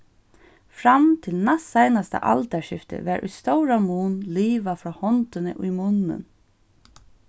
fram til næstseinasta aldarskifti var í stóran mun livað frá hondini í munnin